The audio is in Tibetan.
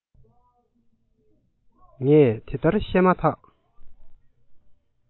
ངས དེ ལྟར བཤད མ ཐག